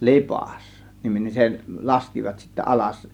- Lipas-niminen se laskivat sitten alas